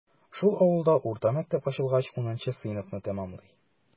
Шул авылда урта мәктәп ачылгач, унынчы сыйныфны тәмамлый.